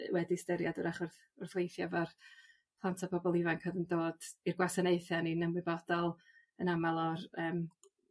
wedi styried 'w'rach wrth wrth weithio efo'r plant a pobol ifanc odd yn dod i'r gwasanaethe o'n i'n ymwybodol yn amal o'r yym...